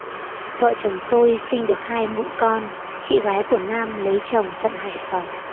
vợ chồng tôi sinh được hai mụn con chị gái của nam lấy chồng tận hải phòng